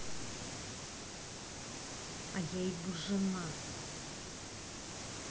а я его жена